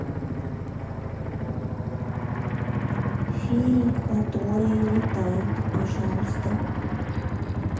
феи которые летают пожалуйста